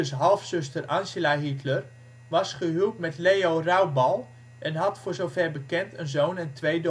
halfzuster Angela Hitler was gehuwd met Leo Raubal en had voor zover bekend een zoon en twee dochters